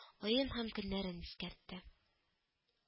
Аен һәм көннәрен искәртте